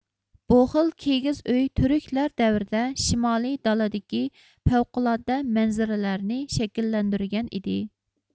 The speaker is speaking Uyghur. بۇ خىل كېگىز ئۆي تۈركلەر دەۋرىدە شىمالىي دالادىكى پەۋقۇلئاددە مەنزىرىلەرنى شەكىللەندۈرگەن ئىدى